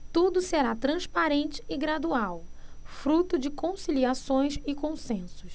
tudo será transparente e gradual fruto de conciliações e consensos